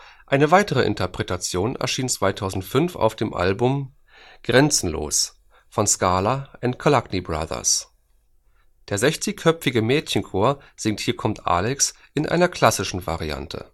Eine weitere Interpretation erschien 2005 auf dem Album Grenzenlos von Scala & Kolacny Brothers. Der 60-köpfige Mädchenchor singt Hier kommt Alex in einer klassischen Variante